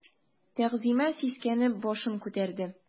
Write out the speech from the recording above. Тәгъзимә сискәнеп башын күтәрде.